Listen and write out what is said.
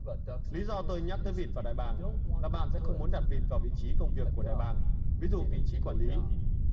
lý do tôi nhắc tới vịt và đại bàng là bạn sẽ không muốn đặt vịt vào vị trí công việc của đại bàng ví dụ vị trí quản lý